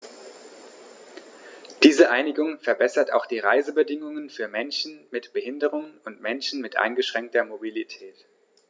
Diese Einigung verbessert auch die Reisebedingungen für Menschen mit Behinderung und Menschen mit eingeschränkter Mobilität.